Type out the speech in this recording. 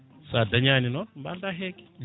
sa dañani noon balda heegue